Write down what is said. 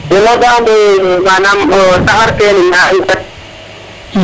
deno de ande manam taxar ke